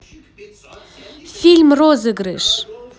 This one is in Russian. фильм розыгрыш